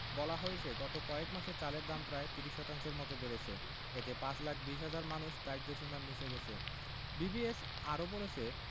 বলা হয়েছে গত কয়েক মাসে চালের দাম প্রায় ৩০ শতাংশের মতো বেড়েছে এতে ৫ লাখ ২০ হাজার মানুষ দারিদ্র্যসীমার নিচে গেছে বিবিএস আরও বলছে